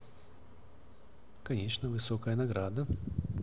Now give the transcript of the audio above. конечно высокая награда